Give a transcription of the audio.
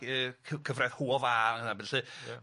...yy cy- cyfraith Hwel dda a hwnna a ballu . Ia.